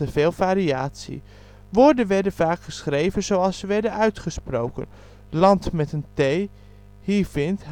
veel variatie. Woorden werden vaak geschreven zoals ze werden uitgesproken: lant, hi vint